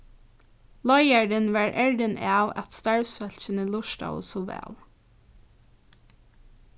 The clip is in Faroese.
leiðarin var errin av at starvsfólkini lurtaðu so væl